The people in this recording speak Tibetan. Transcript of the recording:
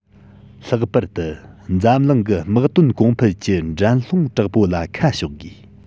ལྷག པར དུ འཛམ གླིང གི དམག དོན གོང འཕེལ གྱི འགྲན སློང དྲག པོ ལ ཁ ཕྱོགས དགོས